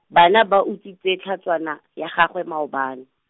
Bana ba utswitse tlhatswana, ya gagwe maabane.